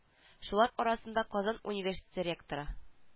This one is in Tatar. Шулар арасында казан университеты ректоры